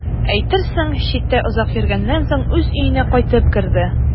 Әйтерсең, читтә озак йөргәннән соң үз өенә кайтып керде.